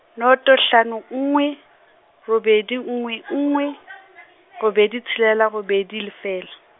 noto hlano nngwe, robedi nngwe nngwe, robedi tshelela robedi lefela.